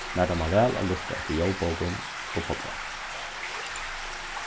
mær dámar væl at lurta eftir ljóðbókum og poddvarpum